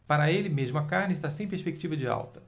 para ele mesmo a carne está sem perspectiva de alta